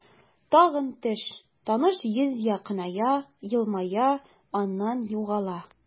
Тагын төш, таныш йөз якыная, елмая, аннан югала.